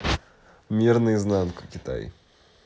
мир наизнанку китай